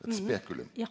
ja.